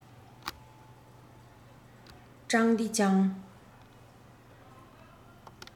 ཀྲང ཏེ ཅང